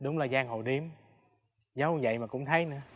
đúng là giang hồ điếm giấu vậy mà cũng thấy nữa